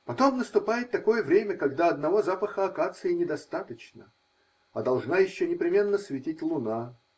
потом наступает такое время, когда одного запаха акации недостаточно, а должна еще непременно светить луна.